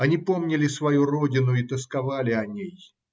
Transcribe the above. они помнили свою родину и тосковали о ней.